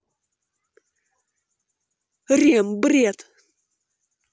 рем бред